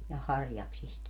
ja harjaksista